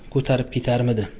ko'tarib ketarmidi